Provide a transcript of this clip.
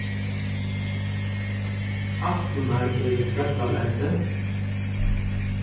alpurnar eru fjallalendi